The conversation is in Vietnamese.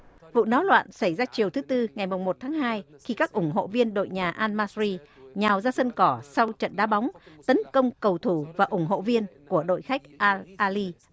vụ náo loạn xảy ra chiều thứ tư ngày mồng một tháng hai khi các ủng hộ viên đội nhà an ma si nhào ra sân cỏ sau trận đá bóng tấn công cầu thủ và ủng hộ viên của đội khách an a li